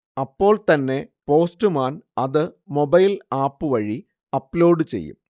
അപ്പോൾത്തന്നെ പോസ്റ്റ്മാൻ അത് മൊബൈൽആപ്പ് വഴി അപ്ലോഡ് ചെയ്യും